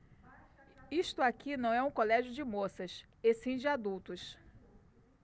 isto aqui não é um colégio de moças e sim de adultos